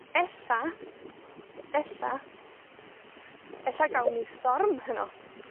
Ella, ella, ella gawn ni storm heno.